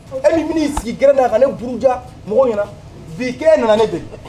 E min sigi g na kan ne bja mɔgɔw ɲɛna v kɛ nana ne de